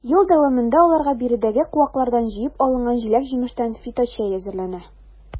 Ел дәвамында аларга биредәге куаклардан җыеп алынган җиләк-җимештән фиточәй әзерләнә.